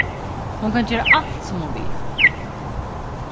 hon kann gera alt sum hon vil